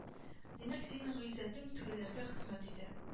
Димәк син гыйззәтең тегеләргә хезмәт итә